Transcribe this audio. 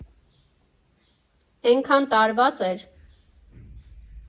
Էնքան տարվա՜ծ էր…